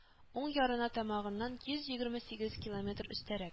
Уң ярына тамагыннан йөз егерме сигез километр өстәрәк